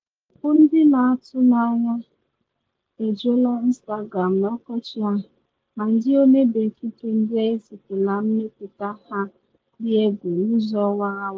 Okpu ndị na atụ n’anya ejula Instagram n’ọkọchị a, ma ndị ọmebe ekike ndị a ezipula mmepụta ha dị egwu n’ụzọ warawara.